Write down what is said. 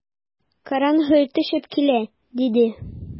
Караңгы төшеп килә, - диде.